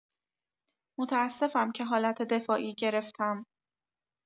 متاسفم که حالت دفاعی گرفتم.